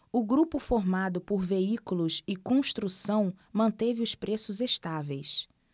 o grupo formado por veículos e construção manteve os preços estáveis